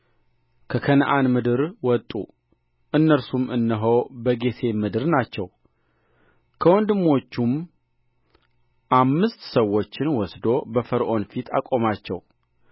ከከነዓን ምድር ወጡ እነርሱም እነሆ በጌሤም ምድር ናቸው ከወንድሞቹም አምስት ሰዎችን ወስዶ በፈርዖን ፊት አቆማቸው